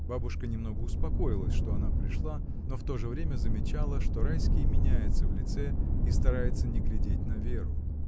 Бабушка немного успокоилась, что она пришла, но в то же время замечала, что Райский меняется в лице и старается не глядеть на Веру.